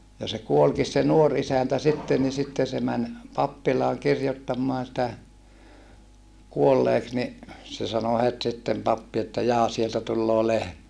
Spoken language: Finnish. ja se kuolikin se nuori isäntä sitten niin sitten se meni pappilaan kirjoittamaan sitä kuolleeksi niin se sanoi heti sitten pappi että jaa sieltä tulee lehmä